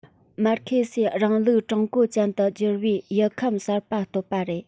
མར ཁེ སིའི རིང ལུགས ཀྲུང གོ ཅན དུ འགྱུར བའི ཡུལ ཁམས གསར པ བཏོད པ རེད